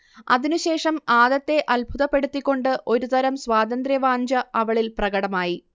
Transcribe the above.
അതിനു ശേഷം ആദത്തെ അത്ഭുതപ്പെടുത്തിക്കൊണ്ട് ഒരു തരം സ്വാതന്ത്രവാഞ്ച അവളിൽ പ്രകടമായി